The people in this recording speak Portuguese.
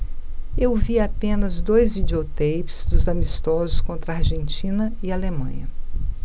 eu vi apenas dois videoteipes dos amistosos contra argentina e alemanha